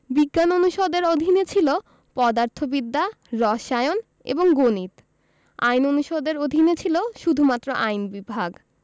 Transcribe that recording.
বিজ্ঞান অনুষদের অধীনে ছিল পদার্থবিদ্যা রসায়ন এবং গণিত আইন অনুষদের অধীনে ছিল শুধুমাত্র আইন বিভাগ